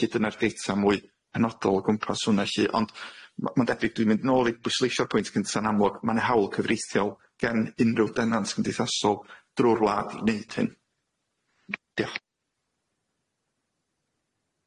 Felly dyna'r data mwy penodol o gwmpas hwnna lly ond ma' ma'n debyg dwi'n mynd nôl i bwysleisio'r pwynt gynta'n amlwg ma' na hawl cyfreithiol gen unrhyw denant cymdeithasol drw'r wlad wneud hyn. Dioch.